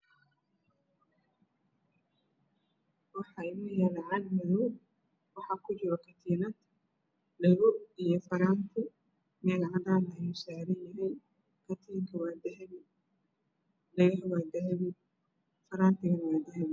Meshan waxaa inoo yala caag madoow waxaa ku jira katiinad dhego iyo faraanti meel cadana ayeey saran yihiin katinka aaa dahabi dhegaha waa dahabi farantigana waa dahabi